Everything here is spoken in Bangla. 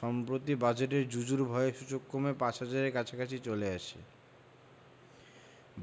সম্প্রতি বাজেটের জুজুর ভয়ে সূচক কমে ৫ হাজারের কাছাকাছি চলে আসে